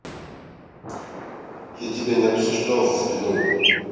я тебя не обсуждал за спиной